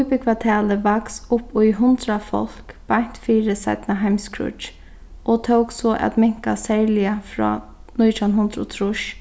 íbúgvatalið vaks upp í hundrað fólk beint fyri seinna heimskríggj og tók so at minka serliga frá nítjan hundrað og trýss